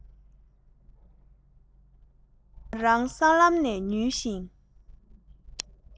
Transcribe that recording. ང རང སྲང ལམ ན ཉུལ བཞིན